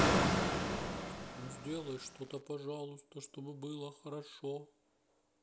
ну сделай что то пожалуйста чтобы было хорошо